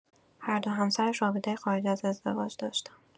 هر دو همسرش رابطه خارج از ازدواج داشتند.